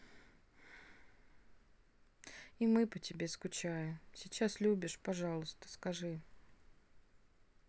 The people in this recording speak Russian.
и мы по тебе скучаю сейчас любишь пожалуйста скажи